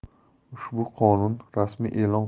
ushbu qonun rasmiy e'lon